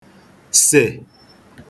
sè